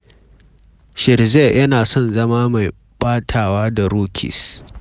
Scherzer yana son zama mai ɓatawa da Rockies